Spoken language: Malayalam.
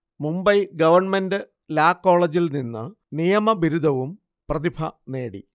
മുംബൈ ഗവണ്മെന്റ് ലാ കോളെജിൽ നിന്ന് നിയമ ബിരുദവും പ്രതിഭ നേടി